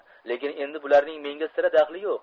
lekin endi bularning menga sira daxli yo'q